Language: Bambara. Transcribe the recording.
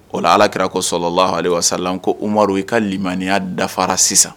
O alaki ko sɔrɔ la wa sa ko amaduru i ka manianiya dafara sisan